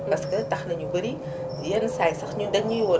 parce que tax na ñu bari yenn saa yi sax ñun dañu ñuy woo